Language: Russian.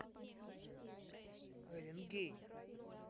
элен гей